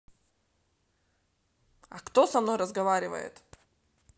а кто со мной разговаривает